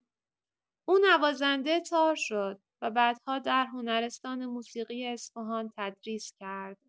او نوازنده تار شد و بعدها در هنرستان موسیقی اصفهان تدریس کرد.